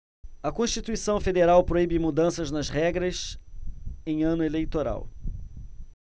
a constituição federal proíbe mudanças nas regras em ano eleitoral